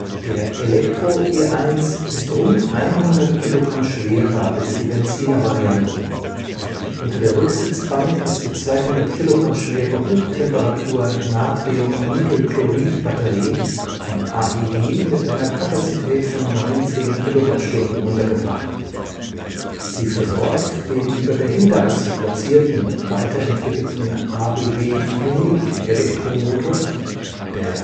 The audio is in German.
Der Elektro-E1 ist rund 100 Kilogramm schwerer als die Benziner-Variante. Unter der Rücksitzbank ist die 200 kg schwere Hochtemperatur-Natrium-Nickelchlorid-Batterie von AEG mit einer Kapazität von 19 kWh untergebracht. Sie versorgt den über der Hinterachse platzierten, weiterentwickelten ABB-Unique-Elektromotor, der